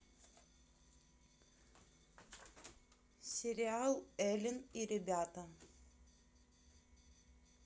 сериал элен и ребята